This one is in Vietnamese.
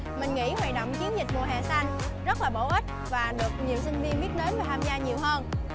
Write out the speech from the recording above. mình nghĩ hoạt động chiến dịch mùa hè xanh rất là bổ ích nên được nhiều sinh viên biết đến và tham gia nhiều hơn